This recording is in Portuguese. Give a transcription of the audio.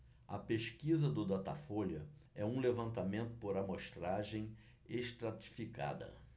a pesquisa do datafolha é um levantamento por amostragem estratificada